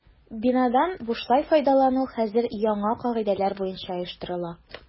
Бинадан бушлай файдалану хәзер яңа кагыйдәләр буенча оештырыла.